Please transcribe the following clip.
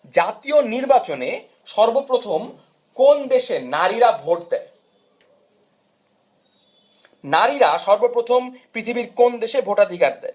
জাতীয় নির্বাচনের সর্বপ্রথম কোন দেশে নারীরা ভোট দেয় নারীরা সর্বপ্রথম পৃথিবীর কোন দেশে ভোটাধিকার দেয়